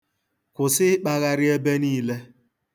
Kwụsị ịkpagharị ebe niile.